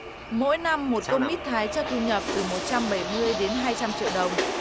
mỗi năm một tô mít thái cho thu nhập từ một trăm bảy mươi đến hai trăm triệu đồng